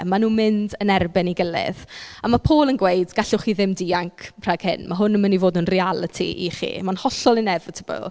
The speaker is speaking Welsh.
Maen nhw'n mynd yn erbyn ei gilydd a mae Paul yn gweud gallwch chi ddim dianc rhag hyn mae hwn yn mynd i fod yn realiti i chi mae'n hollol inevitable.